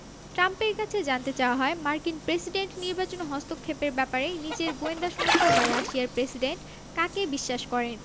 ট্রাম্পের কাছে জানতে চাওয়া হয় মার্কিন প্রেসিডেন্ট নির্বাচনে হস্তক্ষেপের ব্যাপারে নিজের গোয়েন্দা সংস্থা বা রাশিয়ার প্রেসিডেন্ট কাকে বিশ্বাস করেন